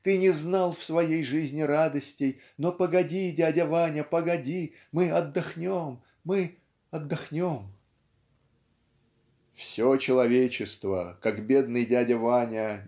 Ты не знал в своей жизни радостей, но погоди, дядя Ваня, погоди. Мы отдохнем. Мы отдохнем". Все человечество как бедный дядя Ваня